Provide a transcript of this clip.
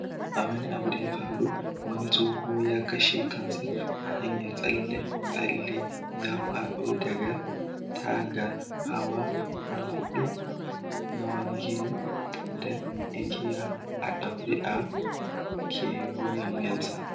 A wani abu da ya faru, wani tsoho ya kashe kansa ta hanyar tsalle ya faɗo daga tagar hawa na huɗu na wani gini da igiya a ɗaure a kewayen wuyansa.